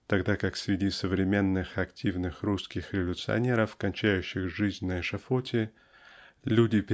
тогда как среди современных активных русских революционеров кончающих жизнь на эшафоте люди